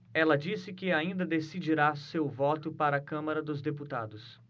ela disse que ainda decidirá seu voto para a câmara dos deputados